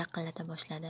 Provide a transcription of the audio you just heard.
taqillata boshladi